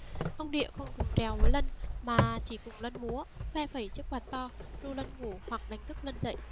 ông địa không cùng trèo với lân mà chỉ cùng lân múa phe phẩy chiếc quạt to ru lân ngủ hoặc đánh thức lân dậy